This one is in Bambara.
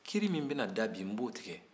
jiri min bɛna da bi n b'o tigɛ